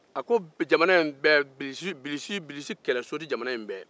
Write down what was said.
a ko jamana in bɛɛ bilisi-bilisi-bilisi kɛlɛso tɛ jamana in bɛɛ